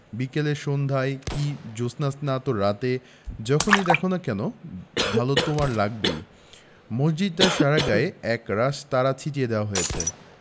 বিকেলে সন্ধায় কি জ্যোৎস্নারাতে যখনি দ্যাখো না কেন ভালো তোমার লাগবেই মসজিদটার সারা গায়ে একরাশ তারা ছিটিয়ে দেয়া হয়েছে